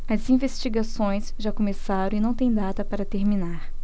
as investigações já começaram e não têm data para terminar